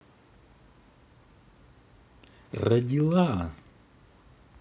родила